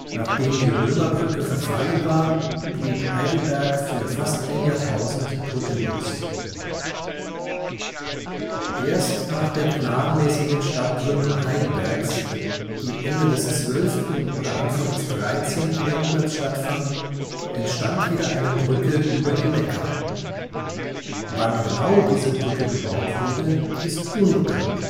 Nachdem die Römerbrücke verfallen war, blieb Heidelberg für fast ein Jahrtausend brückenlos. Erst nach der planmäßigen Stadtgründung Heidelbergs, die Ende des 12. oder Anfang des 13. Jahrhunderts stattfand, entstand wieder eine Brücke über den Neckar. Wann genau diese Brücke gebaut wurde, ist unbekannt